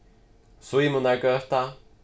símunargøta